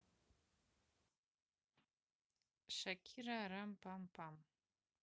shakira рам пам пам